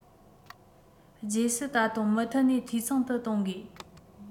རྗེས སུ ད དུང མུ མཐུད ནས འཐུས ཚང དུ གཏོང དགོས